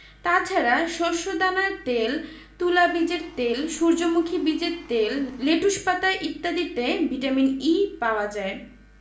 তাছাড়া শস্যদানার তেল তুলা বীজের তেল সূর্যমুখী বীজের তেল লেটুস পাতা ইত্যাদিতে ভিটামিন E পাওয়া যায়